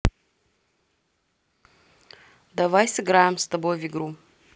давай сыграем с тобой в игру